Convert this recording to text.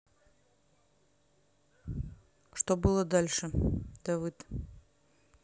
что было дальше давыд